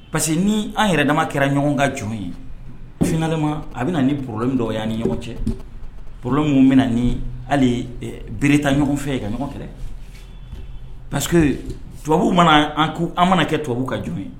Parce que ni an yɛrɛ dama kɛra ɲɔgɔn ka jɔn ye fma a bɛ na nin baro min dɔw ye' ni ɲɔgɔn cɛ p bɛna ni hali bere ɲɔgɔn fɛ ye ka ɲɔgɔn kɛlɛ parce que tubabuw mana an mana kɛ tubabu ka jɔn ye